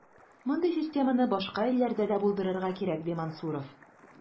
Мондый системаны башка илләрдә дә булдырырга кирәк, ди Мансуров.